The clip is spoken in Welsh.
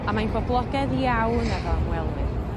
a mae'n boblogedd iawn efo ymwelwyr.